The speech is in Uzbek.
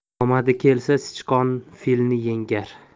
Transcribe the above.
omadi kelsa sichqon filni yengar